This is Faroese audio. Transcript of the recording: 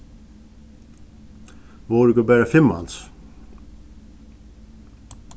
vóru okur bara fimm mans